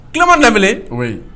Kima da o ye